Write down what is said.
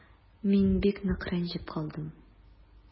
Мин бик нык рәнҗеп калдым.